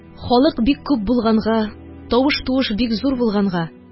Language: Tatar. Халык бик күп булганга, тавыш-туыш бик зур булганга